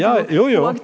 ja jo jo.